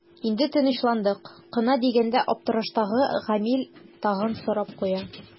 Инде тынычландык кына дигәндә аптыраштагы Гамил тагын сорап куя.